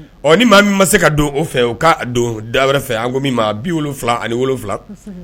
Ɔɔ ni maa min ma se ka don o fɛ , o ka don da wɛrɛ fɛ an ko min ma 77